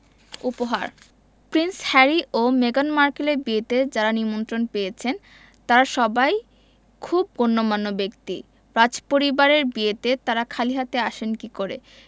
উপহার prince Harry ও মেগান মার্কেলের বিয়েতে যাঁরা নিমন্ত্রণ পেয়েছেন তাঁরা সবাই খুব গণ্যমান্য ব্যক্তি রাজপরিবারের বিয়েতে তাঁরা খালি হাতে আসেন কী করে